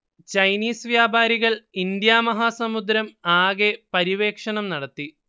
Chinese വ്യാപാരികൾ ഇന്ത്യാമഹാസമുദ്രം ആകെ പരിവേക്ഷണം നടത്തി